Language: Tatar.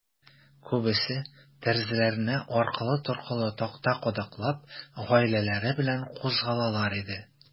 Күбесе, тәрәзәләренә аркылы-торкылы такта кадаклап, гаиләләре белән кузгалалар иде.